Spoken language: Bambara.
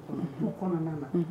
Kungo kɔnɔna na